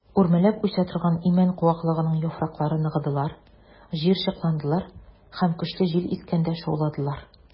Үрмәләп үсә торган имән куаклыгының яфраклары ныгыдылар, җыерчыкландылар һәм көчле җил искәндә шауладылар.